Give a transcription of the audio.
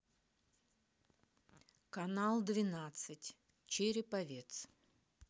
канал двенадцать череповец